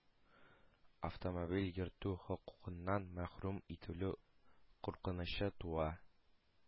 Автомобиль йөртү хокукыннан мәхрүм ителү куркынычы туа.